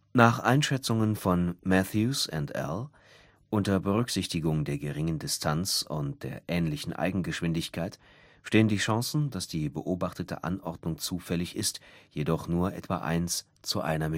Nach Einschätzungen von Matthews & al., unter Berücksichtigung der geringen Distanz und der ähnlichen Eigengeschwindigkeit, stehen die Chancen, dass die beobachtete Anordnung zufällig ist, jedoch nur etwa eins zu einer